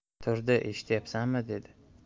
turdi eshityapsanmi dedi